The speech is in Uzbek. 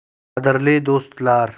qadrli do'stlar